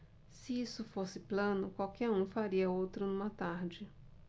se isso fosse plano qualquer um faria outro numa tarde